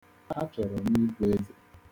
Achọrọ m ịbụ eze.